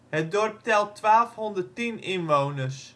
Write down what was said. Het dorp telt volgens gegevens van het CBS 1.210 inwoners